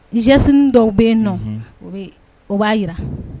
Geste nin dɔw bɛ yenninɔ. Unhun. O bɛ, o b'a jira.